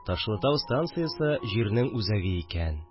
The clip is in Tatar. Ташлытау станциясе – җирнең үзәге икән